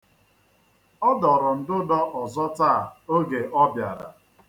Ọ dọrọ ndụdọ ọzọ taa oge ọ bịara.